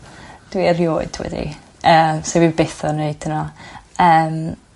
Dwi erioed wedi yy 'sa fi byth yn wneud hwnna. Yym.